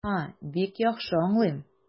А, бик яхшы аңлыйм.